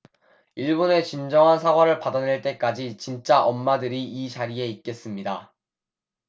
일본의 진정한 사과를 받아낼 때까지 진짜 엄마들이 이 자리에 있겠습니다